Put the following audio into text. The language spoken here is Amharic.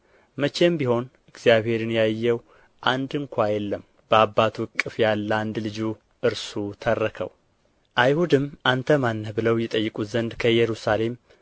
መቼም ቢሆን እግዚአብሔርን ያየው አንድ ስንኳ የለም በአባቱ እቅፍ ያለ አንድ ልጁ እርሱ ተረከው አይሁድም አንተ ማን ነህ ብለው ይጠይቁት ዘንድ ከኢየሩሳሌም